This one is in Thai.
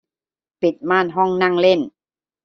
ปิดม่านห้องนั่งเล่น